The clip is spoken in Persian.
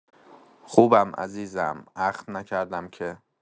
خوبم عزیزم اخم نکردم که